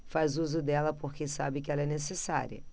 faz uso dela porque sabe que ela é necessária